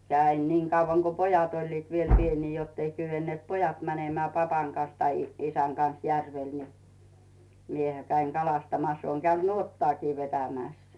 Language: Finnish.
ja aina niin kauan kuin pojat olivat vielä pieniä jotta ei kyenneet pojat menemään papan kanssa tai isän kanssa järvelle niin minähän kävin kalastamassa olen käynyt nuottaakin vetämässä